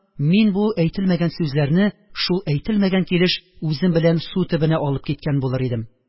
Мин бу әйтелмәгән сүзләрне шул әйтелмәгән килеш үзем белән су төбенә алып киткән булыр идем